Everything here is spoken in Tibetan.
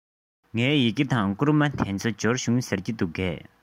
ངའི ཡི གེ དང བསྐུར མ དེ ཚོ འབྱོར བྱུང ཟེར གྱི མི འདུག གས